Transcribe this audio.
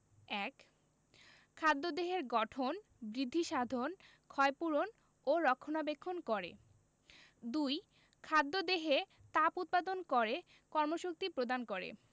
১. খাদ্য দেহের গঠন বৃদ্ধিসাধন ক্ষয়পূরণ ও রক্ষণাবেক্ষণ করে ২. খাদ্য দেহে তাপ উৎপাদন করে কর্মশক্তি প্রদান করে